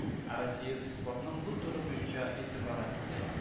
Ә Россия спортның бу төре буенча лидерлар рәтендә